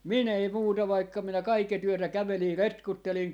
minun ei muuta vaikka minä kaiket yötä kävelin retkuttelin